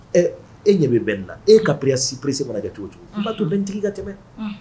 E ɲɛmɛ bɛn na e kari siperesi mana kɛ cogo n'a tun bɛ n tigi ka tɛmɛ